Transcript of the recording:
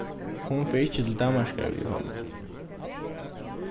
hon fer ikki til danmarkar við honum